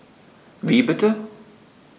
Wie bitte?